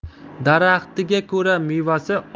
daraxtiga ko'ra mevasi